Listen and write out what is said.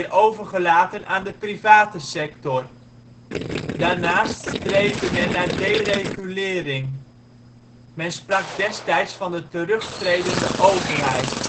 overgelaten aan de private sector. Daarnaast streefde men naar deregulering. Men sprak destijds van de terugtredende overheid